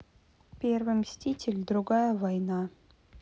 первый мститель другая война